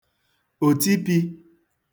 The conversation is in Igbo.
òtipī